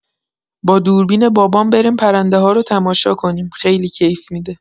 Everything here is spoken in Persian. با دوربین بابام بریم پرنده‌ها رو تماشا کنیم، خیلی کیف می‌ده.